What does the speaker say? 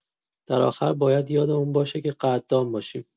در آخر، باید یادمون باشه که قدردان باشیم.